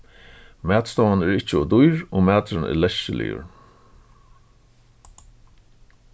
matstovan er ikki ov dýr og maturin er leskiligur